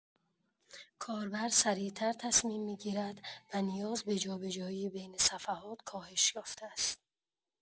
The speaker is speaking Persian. کاربر سریع‌تر تصمیم می‌گیرد و نیاز به جابه‌جایی بین صفحات کاهش یافته است.